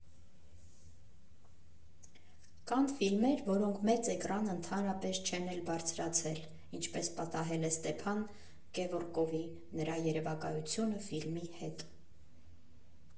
Կան ֆիլմեր, որոնք մեծ էկրան ընդհանրապես չեն էլ բարձրացել, ինչպես պատահել է Ստեփան Կևորկովի «Նրա երևակայությունը» ֆիլմի հետ։